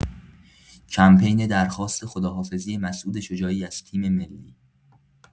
کمپین درخواست خداحافظی مسعود شجاعی از تیم‌ملی